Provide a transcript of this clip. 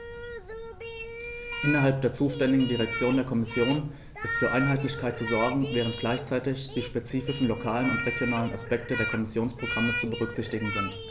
Innerhalb der zuständigen Direktion der Kommission ist für Einheitlichkeit zu sorgen, während gleichzeitig die spezifischen lokalen und regionalen Aspekte der Kommissionsprogramme zu berücksichtigen sind.